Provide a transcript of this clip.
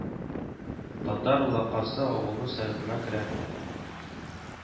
Татар Лакасы авылы советына керә